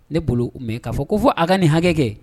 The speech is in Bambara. Ne bolo mais k'a fɔ ko fɔ a ka ni hakɛ kɛ